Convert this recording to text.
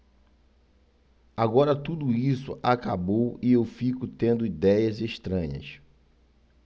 agora tudo isso acabou e eu fico tendo idéias estranhas